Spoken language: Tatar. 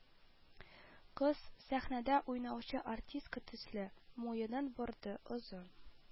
Кыз, сәхнәдә уйнаучы артистка төсле, муенын борды, озын